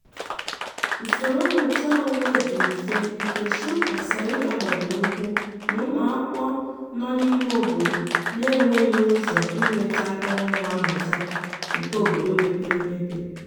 Usoro mmụta onwe dị mfe nke Shilpa Sayura gbadoro ụkwụ n'ụmụakwụkwọ nọ n'ime obodo na-enweghị ụzọ inweta akụrụngwa mmụta nke obodo mepere emepe.